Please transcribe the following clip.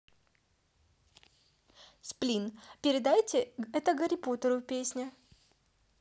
сплин передайте это гарри поттеру песня